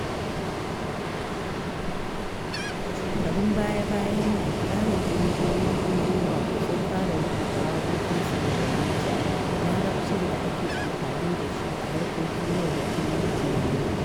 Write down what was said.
A shekarun baya-bayan nan, ƙarin ƙungiyoyin indie rock sun fara rubuta waƙoƙinsu da Darija, larabcin da ake amfani da shi a harkokin yau da kullum a Morocco.